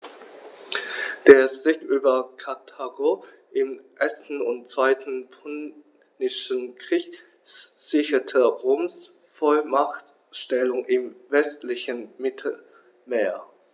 Der Sieg über Karthago im 1. und 2. Punischen Krieg sicherte Roms Vormachtstellung im westlichen Mittelmeer.